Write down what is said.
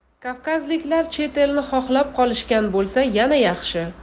kavkazliklar chet elni xohlab qolishgan bo'lsa yana yaxshi